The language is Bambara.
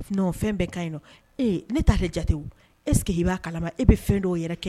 Fɛn ka ne' jate eseke i b'a kala e bɛ fɛn dɔw o yɛrɛ kɛ